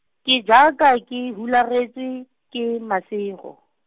ke jaaka ke hularetswe, ke masego.